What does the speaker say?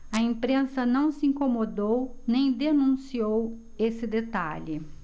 a imprensa não se incomodou nem denunciou esse detalhe